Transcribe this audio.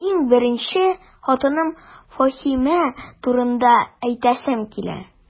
Иң беренче, хатыным Фәһимә турында әйтәсем килә.